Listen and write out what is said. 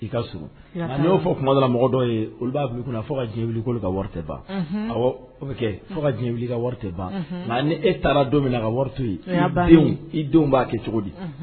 I ka s a n'o fɔ kumadala mɔgɔ dɔw ye olu'a b'i kunna fo ka diɲɛ wuli kololi ka wari tɛ ban bɛ fo ka diɲɛ wuli ka wari tɛ ban nka e taara don min na ka wari to i denw b'a kɛ cogo di